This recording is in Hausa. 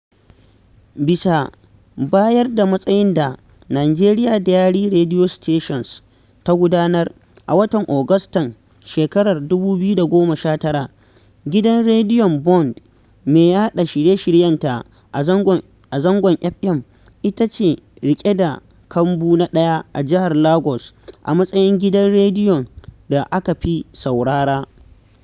Bisa bayar da matsayin da 'Nigeria Diary Radio Stations ' ta gudanar a watan Agustan shekarar 2019, Gidan Rediyon Bond mai yaɗa shirye-shiryenta a zangon FM ita take riƙe da kambun na 1 a Jihar Lagos, a matsayin gidan rediyon da aka fi saurara.